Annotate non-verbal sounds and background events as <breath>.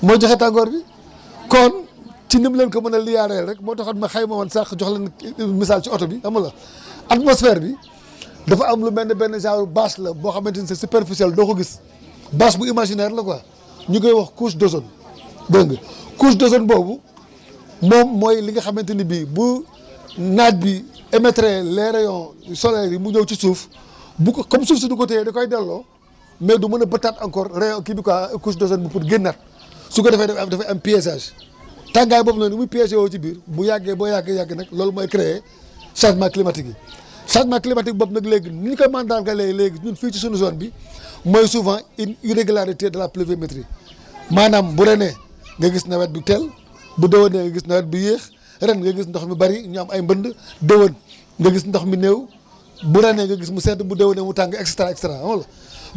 mooy joxe tàngoor bi kon ci ni mu leen ko mën a liyaaree rek moo taxoon ma xayma woon sànq jox leen misaal si oto bi xam nga lu ma la wax <breath> atmosphère bi dafa am lu mel ni benn genre bâche la boo xamante ni c' est superficielle doo ko gis <breath> bâche bu imaginaire la quoi ñu koy wax couche d' ozone dégg nga couche d' ozone boobu moom mooy li nga xamante ni bi bu naaj bi émettre les rayons solaires yi mu ñëw ci suuf <breath> bu ko comme suuf si du ko téye da koy delloo mais du mën a bëttaat encore rayon kii bi quoi couche d' ozone bi pour génnaat <breath> su ko defee dafay am dafay am piegeage tàngaay boobu nag nu muy piégé woo ci biir bu yàggee ba yàgg yàgg nag loolu mooy créé changement climatique yi <breath> changement climatique boobu nag léegi ni ñu koy mandargalee léegi ñun fii ci suñu zone bi <breath> mooy souvent une irrégularité de la pluviométrie <breath> maanaam bu renee da ngay gis nawet bi teel bu déwenee nga gis nawet bi yéex ren nga gis ndox mi bëri ñu am ay mbënd déwen nga gis ndox mi néew bu renee nga gis mu sedd bu déwenee mu tàng et cetera et cetera wala <breath>